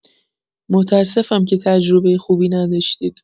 متاسفم که تجربه خوبی نداشتید.